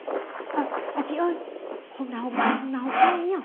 ơ à chị ơi hộp nào hộp mặn hộp nào hộp chay ý nhờ